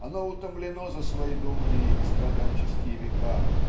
оно утомлено за свои долгие и страдальческие века.